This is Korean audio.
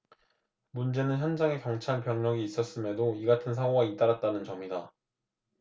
문제는 현장에 경찰병력이 있었음에도 이 같은 사고가 잇따랐다는 점이다